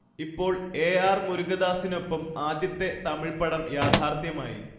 ഇപ്പോൾ A R മുരുഗദാസിനോടൊപ്പം ആദ്യത്തെ തമിഴ് പടം യാഥാർഥ്യമായി